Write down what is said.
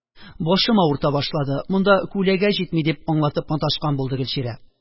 – башым авырта башлады, монда күләгә җитми, – дип аңлатып маташкан булды гөлчирә